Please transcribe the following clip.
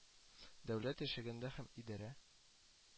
Дәүләт яшәгәндә һәм идарә